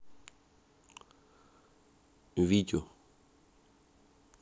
витю